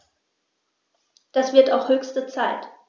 Das wird auch höchste Zeit!